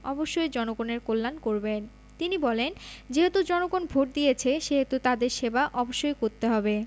অবশ্যই জনগণের কল্যাণ করবেন তিনি বলেন যেহেতু জনগণ ভোট দিয়েছে সেহেতু তাদের সেবা অবশ্যই করতে হবে